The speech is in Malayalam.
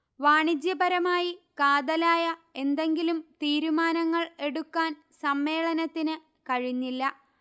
വാണിജ്യപരമായി കാതലായ എന്തെങ്കിലും തീരുമാനങ്ങൾ എടുക്കാൻ സമ്മേളനത്തിന് കഴിഞ്ഞില്ല